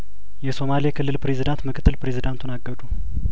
የሶማሌ ክልል ፕሬዚዳንት ምክትል ፕሬዚደንቱን አገዱ